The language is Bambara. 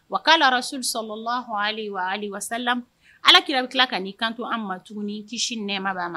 Wa k' lara su sɔrɔ la h ale wa wa alakira tila ka'i kanto an ma tuguni tisi nɛma banna na